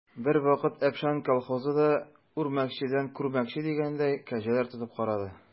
Бервакыт «Әпшән» колхозы да, үрмәкчедән күрмәкче дигәндәй, кәҗәләр тотып карады.